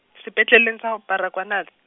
sepetleleng sa Baragwanath.